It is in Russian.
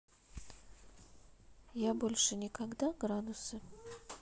я больше никогда градусы